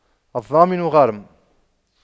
الضامن غارم